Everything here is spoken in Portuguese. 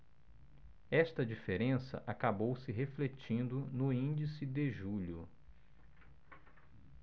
esta diferença acabou se refletindo no índice de julho